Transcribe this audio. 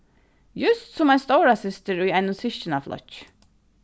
júst sum ein stórasystir í einum systkinaflokki